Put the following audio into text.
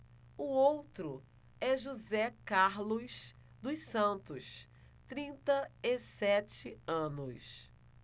o outro é josé carlos dos santos trinta e sete anos